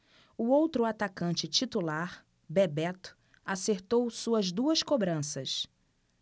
o outro atacante titular bebeto acertou suas duas cobranças